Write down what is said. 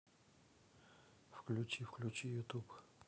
включи включи ютуб